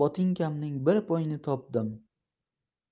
botinkamning bir poyini topdim